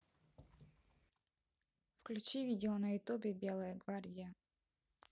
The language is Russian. включи видео на ютубе белая гвардия